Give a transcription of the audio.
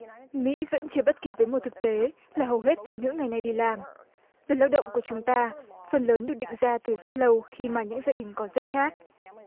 mỹ vẫn chưa bắt kịp với một thực tế là hầu hết phụ nữ ngày nay đi làm về lao động của chúng ta phần lớn được định ra từ rất lâu khi mà những gia đình còn rất khác